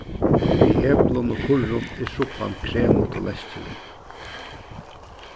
við eplum og purrum er suppan kremut og leskilig